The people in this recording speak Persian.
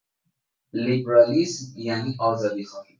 لیبرالیسم یعنی آزادی‌خواهی.